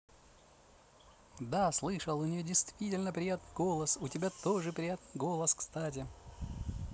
да слышал у нее действительно приятный голос у тебя тоже приятный голос кстати